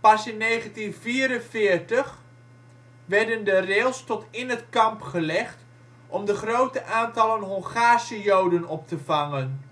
Pas in 1944 werden de rails tot in het kamp gelegd om de grote aantallen Hongaarse Joden op te vangen